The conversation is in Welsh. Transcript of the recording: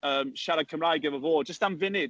Yym, siarad Cymraeg efo fo, jyst am funud.